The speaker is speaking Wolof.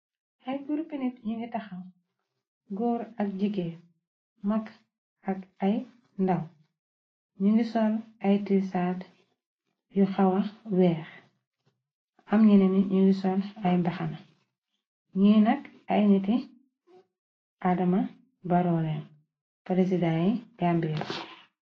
Ay gurupi nit ñongi taxaw góor ak jigéen mag ak ay ndaw ñungi sol ay tisaat yu xawa weex am neneye ni ñungi sol ay mbaxana ni nak ay niti Adama Barrow len presidan yi Gambia.